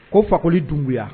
Ko fakoli Dunbiya